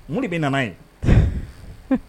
Mun de bɛ nan ye